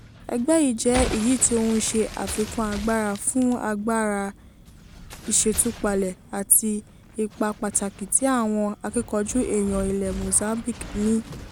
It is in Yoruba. Ẹgbẹ́ yìí jẹ́ èyí tí ó ń ṣe àfikún agbára fún agbára ìṣètúpalẹ̀ àti ipa pàtàkì tí àwọn akíkanjú èèyàn ilẹ̀ Mozambique ní.